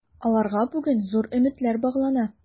Аларга бүген зур өметләр баглана.